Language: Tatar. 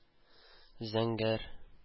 Зәңгәр